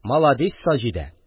Маладис, Саҗидә!